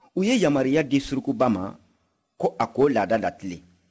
u ye yamariya di surukuba ma ko a k'o laada latilen